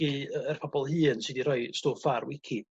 dysgu y yr pobol hŷn sy 'di roi stwff ar Wici?